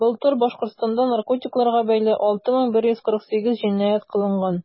Былтыр Башкортстанда наркотикларга бәйле 6148 җинаять кылынган.